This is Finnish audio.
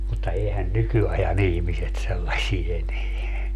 mutta eihän nykyajan ihmiset sellaisia enää